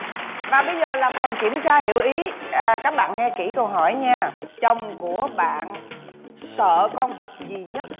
và bây giờ là phần kiểm tra hiểu ý các bạn nghe kỹ câu hỏi nha chồng của bạn sợ con vật gì nhất